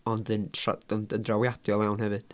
Ond yn traw- ond yn drawiadol iawn hefyd.